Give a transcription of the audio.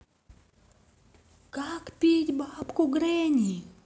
как пить бабку гренни